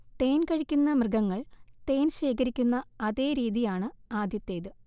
തേൻകഴിക്കുന്ന മൃഗങ്ങൾ തേൻശേഖരിക്കുന്ന അതേ രീതിയാണ് ആദ്യത്തേത്